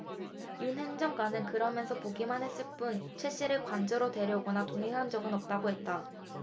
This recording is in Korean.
윤 행정관은 그러면서 보기만 했을 뿐 최씨를 관저로 데려오거나 동행한 적은 없다고 했다